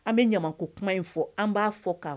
An bɛ Ɲamako kuma in fɔ an b'a fɔ ka